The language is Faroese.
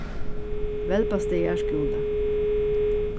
velbastaðar skúli